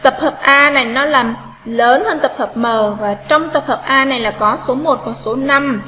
tập hợp a là nó làm lớn hơn tập hợp m và trong tập hợp a này là có số và số